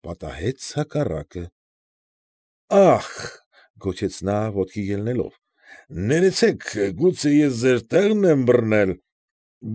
Պատահեց հակառակը։ ֊ Ա՜խ,֊ գոչեց նա, ոտքի ելնելով,֊ ներեցեք գուցե ես ձեր տեղն եմ բռնել։